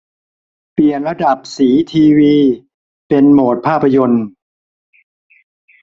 เปลี่ยนระดับสีทีวีเป็นโหมดภาพยนต์